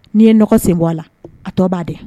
Ni ye nɔgɔ sen bɔ a la , a tɔ ba dɛn.